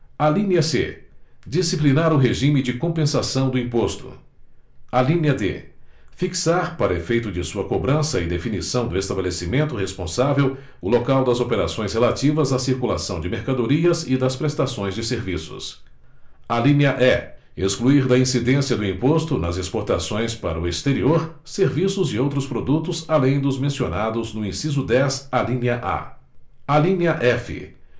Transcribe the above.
alínea c disciplinar o regime de compensação do imposto alínea d fixar para efeito de sua cobrança e definição do estabelecimento responsável o local das operações relativas à circulação de mercadorias e das prestações de serviços alínea e excluir da incidência do imposto nas exportações para o exterior serviços e outros produtos além dos mencionados no inciso dez a alínea f